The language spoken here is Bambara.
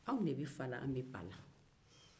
anw de be fa la an be ba la